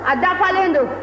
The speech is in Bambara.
a dafalen don